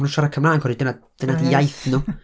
ma' nhw'n siarad Cymraeg oherwydd dyna, dyna 'di iaith nhw.